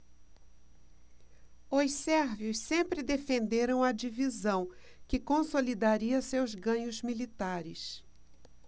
os sérvios sempre defenderam a divisão que consolidaria seus ganhos militares